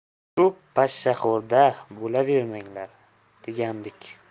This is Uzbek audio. ko'p pashshaxo'rda bo'lavermanglar degandek